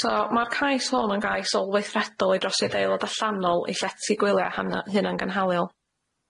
So ma'r cais hwn yn gais olweithredol i drosi adeilod allanol i llety gwylia' hana- hunan gynhaliol.